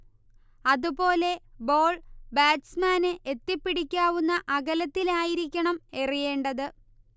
അതുപോലെ ബോൾ ബാറ്റ്സ്മാന് എത്തിപ്പിടിക്കാവുന്ന അകലത്തിലായിരിക്കണം എറിയേണ്ടത്